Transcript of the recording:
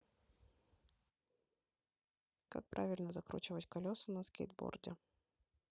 как правильно закручивать колеса на скейтборде